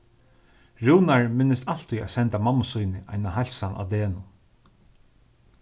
rúnar minnist altíð at senda mammu síni eina heilsan á degnum